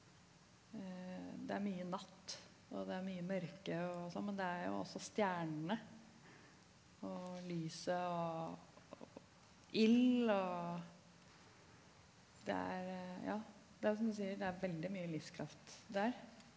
det er mye natt og det er mye mørke og sånn men det er jo også stjernene og lyset og ild og det er ja det er som du sier det er veldig mye livskraft der.